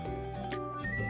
thôi